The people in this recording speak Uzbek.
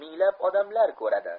minglab odamlar ko'radi